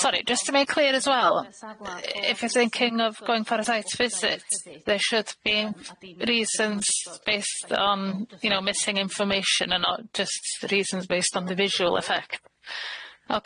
Sorry just to make clear as well if you're thinking of going for a sight visit there should be reasons based on you know missing information and not just reasons based on the visual effect.